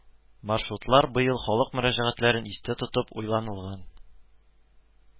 Маршрутлар быел халык мөрәҗәгатьләрен истә тотып уйланылган